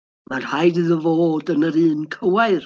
Mae'n rhaid iddo fod yn yr un cywair.